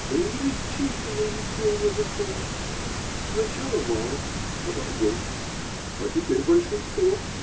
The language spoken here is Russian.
Появились чехи Моисеева закона. Сначала мало, потом больше. а теперь большинство.